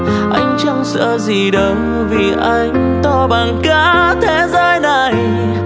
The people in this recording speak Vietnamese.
anh chẳng sợ gì đâu vì anh to bằng cả thế giới này